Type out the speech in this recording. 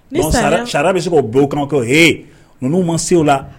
Sariya bi sin ko bɔ i kanna, ko he nunun ma se o la.